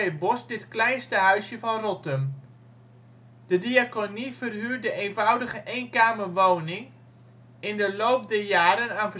Bos dit kleinste huisje van Rottum. De diaconie verhuurt de eenvoudige eenkamerwoning in de loop der jaren aan verschillende